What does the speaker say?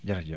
jërëjëf